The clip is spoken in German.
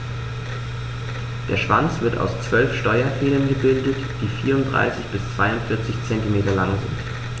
Der Schwanz wird aus 12 Steuerfedern gebildet, die 34 bis 42 cm lang sind.